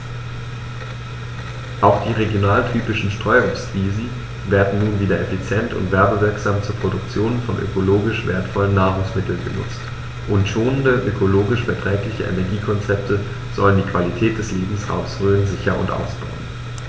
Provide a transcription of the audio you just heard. Auch die regionaltypischen Streuobstwiesen werden nun wieder effizient und werbewirksam zur Produktion von ökologisch wertvollen Nahrungsmitteln genutzt, und schonende, ökologisch verträgliche Energiekonzepte sollen die Qualität des Lebensraumes Rhön sichern und ausbauen.